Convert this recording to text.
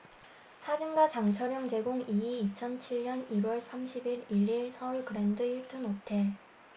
사진가 장철영 제공 이 이 이천 칠 년 일 월 삼십 일 일 서울 그랜드 힐튼 호텔